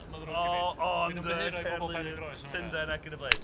Mae'n ddrwg gen i ... Llundain ac yn y blaen.